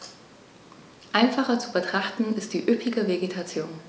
Einfacher zu betrachten ist die üppige Vegetation.